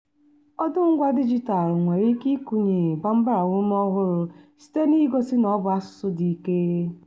Ọdụngwa dijitalụ nwere ike ikunye Bambara ume ọhụrụ site n'igosi na ọ bụ asụsụ dị ike.